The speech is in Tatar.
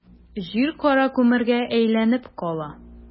Җир кара күмергә әйләнеп кала.